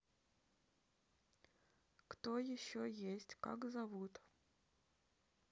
кто еще есть как зовут